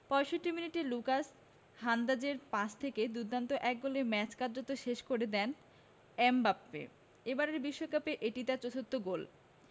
৬৫ মিনিটে লুকাস হার্নান্দেজের পাস থেকে দুর্দান্ত এক গোলে ম্যাচ কার্যত শেষ করে দেন এমবাপ্পে এবারের বিশ্বকাপে এটি তার চতুর্থ গোল